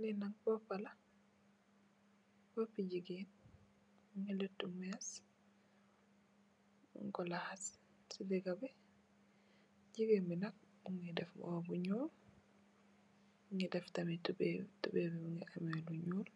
Li nak bópa la bopú jigeen mugii lèttu més ñing ko laxas ci diga bi . Jigeen bi nak mugii róbba bu ñuul tubay bi tamid mugii